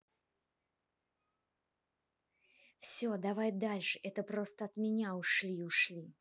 все давай дальше это просто от меня ушли ушли